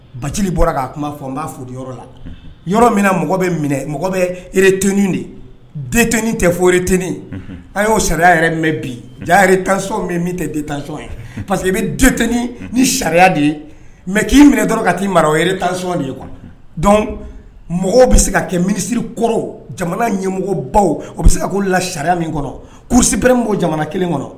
Baji bɔra k'a kuma fɔ n b'a fɔ yɔrɔ la yɔrɔ min mɔgɔ bɛ minɛ mɔgɔ bɛret det tɛ foyiretini a y'o sariya yɛrɛ mɛn bi jare tan sɔn min tɛtan sɔn ye pa parce queseke i bɛt ni sariya de ye mɛ k'i minɛ dɔrɔn ka taa marare tan sɔnɔn de ye kɔnɔ dɔn mɔgɔw bɛ se ka kɛ minisiriri kɔrɔ jamana ɲɛmɔgɔ baw o bɛ se ka ko la sariya min kɔnɔ kuruusipre ko jamana kelen kɔnɔ